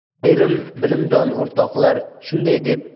ayrim bilimdon o'rtoqlar shunday